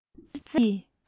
ལག ལེན གསེར གྱི